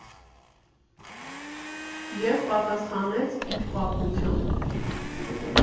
Եվ պատասխանեց իր պատմությամբ.